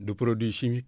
du produit chimique